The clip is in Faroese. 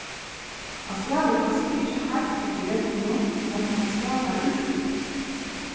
hann spælir kanska ikki heilt eftir reglunum men hann skapar úrslit